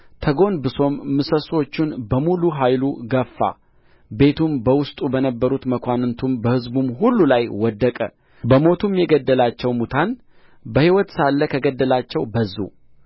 ተጎንብሶም ምሰሶቹን በሙሉ ኅይሉ ገፋ ቤቱም በውስጡ በነበሩት በመኳንንቱም በሕዝቡም ሁሉ ላይ ወደቀ በሞቱም የገደላቸው ሙታን በሕይወት ሳለ ከገደላቸው በዙ